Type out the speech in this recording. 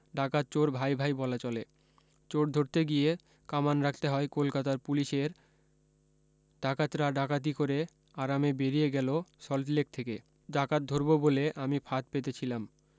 ডাকাত চোর ভাই ভাই বলা চলে চোর ধরতে গিয়ে কামান রাখতে হয় কলকাতার পুলিশের ডাকাত রা ডাকাতি করে আরামে বেরিয়ে গেল সল্টলেক থেকে ডাকাত ধরবো বলে আমি ফাঁদ পেতে ছিলাম